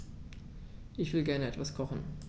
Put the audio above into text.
Ich will gerne etwas kochen.